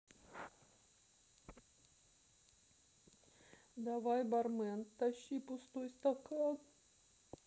давай бармен тащи пустой стакан